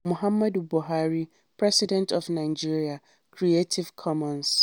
Muhammad Buhari, president of Nigeria. Creative Commons.